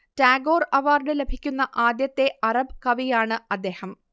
Tagore award ലഭിക്കുന്ന ആദ്യത്തെ Arab കവിയാണ് അദ്ദേഹം